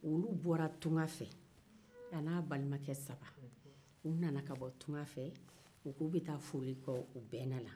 a na balima kɛ saba u nana ka bɔ tunkan fɛ u ko u bɛ taa foli kɛ u bɛna na